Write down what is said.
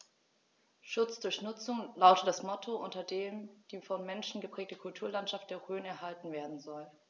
„Schutz durch Nutzung“ lautet das Motto, unter dem die vom Menschen geprägte Kulturlandschaft der Rhön erhalten werden soll.